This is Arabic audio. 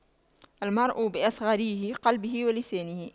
المرء بأصغريه قلبه ولسانه